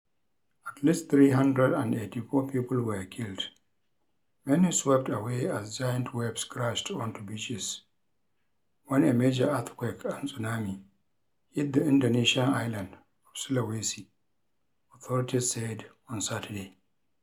At least 384 people were killed, many swept away as giant waves crashed onto beaches, when a major earthquake and tsunami hit the Indonesian island of Sulawesi, authorities said on Saturday.